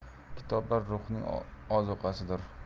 kitoblar ruhning ozuqasidir